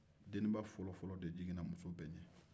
deniba fɔlɔ fɔlɔ de jiginna muso bɛɛ ɲɛ